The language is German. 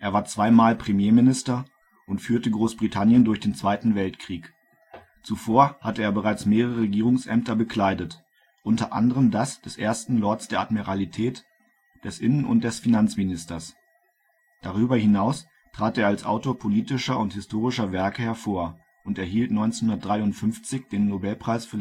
war zwei Mal Premierminister und führte Großbritannien durch den Zweiten Weltkrieg. Zuvor hatte er bereits mehrere Regierungsämter bekleidet, unter anderem das des Ersten Lords der Admiralität, des Innen - und des Finanzministers. Darüber hinaus trat er als Autor politischer und historischer Werke hervor und erhielt 1953 den Nobelpreis